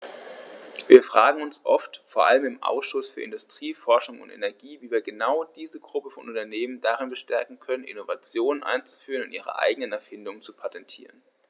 Wir fragen uns oft, vor allem im Ausschuss für Industrie, Forschung und Energie, wie wir genau diese Gruppe von Unternehmen darin bestärken können, Innovationen einzuführen und ihre eigenen Erfindungen zu patentieren.